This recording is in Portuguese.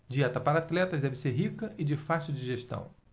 dieta para atletas deve ser rica e de fácil digestão